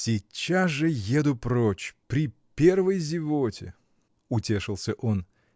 — Сейчас же уеду прочь, при первой зевоте! — утешился он.